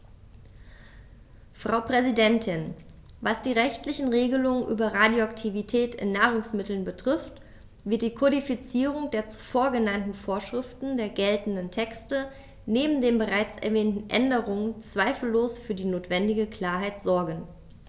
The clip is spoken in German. Frau Präsidentin, was die rechtlichen Regelungen über Radioaktivität in Nahrungsmitteln betrifft, wird die Kodifizierung der zuvor genannten Vorschriften der geltenden Texte neben den bereits erwähnten Änderungen zweifellos für die notwendige Klarheit sorgen.